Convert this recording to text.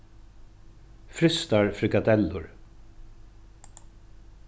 frystar frikadellur